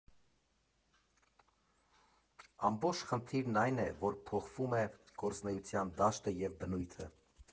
Ամբողջ խնդիրն այն է, որ փոխվում է գործունեության դաշտը և բնույթը։